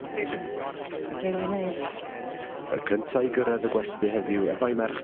O ydi rili neis. Y cynta i gyrraedd y gwesty heddiw efo'i merch...